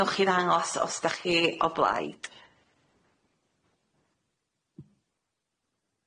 Ddowch i'r angos os dach chi o blaid?